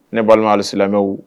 Ne balo hali silamɛmɛw